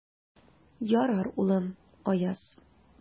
Ярар, улым, Аяз.